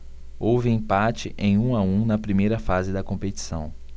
houve empate em um a um na primeira fase da competição